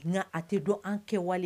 Nka a tɛ don an kɛwale